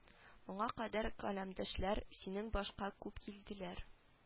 Моңа кадәр каләмдәшләр синнән башка күп килделәр